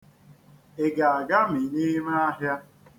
Ị ga-agami n'ime ahia?